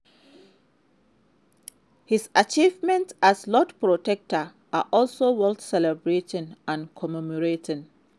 His achievements as Lord Protector are also worth celebrating and commemorating."